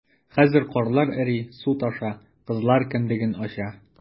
Хәзер карлар эри, су таша - кызлар кендеген ача...